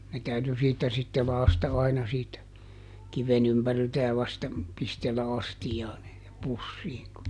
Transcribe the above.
ne täytyi siitä sitten lakaista aina siitä kiven ympäriltä ja vasta pistellä astiaan - pussiin kun